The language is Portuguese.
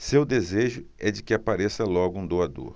seu desejo é de que apareça logo um doador